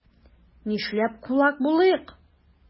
Нишләп кулак булыйк?